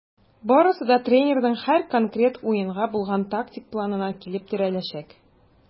Барысы да тренерның һәр конкрет уенга булган тактик планына килеп терәләчәк.